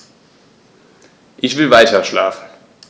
Ich will weiterschlafen.